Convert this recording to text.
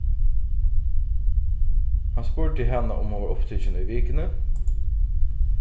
hann spurdi hana um hon var upptikin í vikuni